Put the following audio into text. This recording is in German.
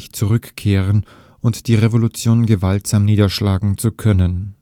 zurückkehren und die Revolution gewaltsam niederschlagen zu können